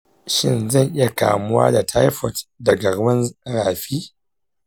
shin zan iya kamuwa da taifoid daga ruwan rafi?